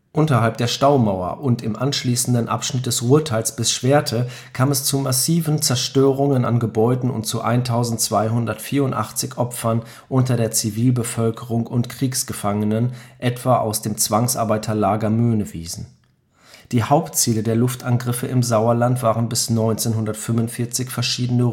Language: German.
Unterhalb der Staumauer und im anschließenden Abschnitt des Ruhrtals bis Schwerte kam es zu massiven Zerstörungen an Gebäuden und zu 1284 Opfern unter der Zivilbevölkerung und Kriegsgefangenen etwa aus dem Zwangsarbeiterlager Möhnewiesen. Die Hauptziele der Luftangriffe im Sauerland waren bis 1945 verschiedene